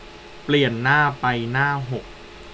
เปลี่ยนหน้าไปหน้าหก